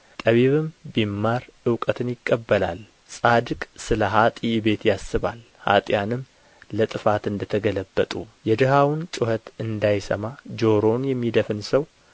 ጠቢብም ቢማር እውቀትን ይቀበላል ጻድቅ ስለ ኀጥእ ቤት ያስባል ኀጥኣንም ለጥፋት እንደ ተገለበጡ የድሀውን ጩኸት እንዳይሰማ ጆሮውን የሚደፍን ሰው